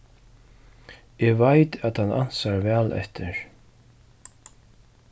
eg veit at hann ansar væl eftir